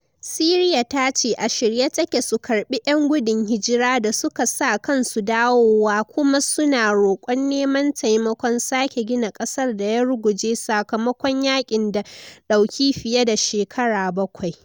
Siriya tace ashirye take su karbi yan gudun hijira da suka sa kansu dawowa kuma su na rokon neman taimakon sake gina kasar da ya ruguje sakamakon yakin da dauki fiye da shekara bakwai.